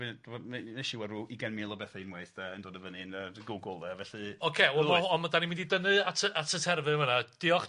wnes i weld rw ugain mil o bethe unwaith yy yn dod y fyny yn yy dy- Google a felly... Ocê wel bo- ond ma' 'dan ni mynd i dynnu at y at y terfyn fanna. Diolch...